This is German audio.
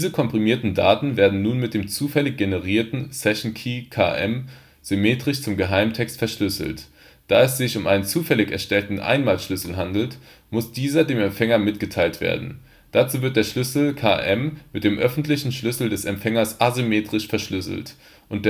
komprimierten Daten werden nun mit dem zufällig generierten Session Key KM symmetrisch zum Geheimtext verschlüsselt. Da es sich um einen zufällig erstellten Einmalschlüssel handelt, muss dieser dem Empfänger mitgeteilt werden. Dazu wird der Schlüssel KM mit dem öffentlichen Schlüssel des Empfängers asymmetrisch verschlüsselt und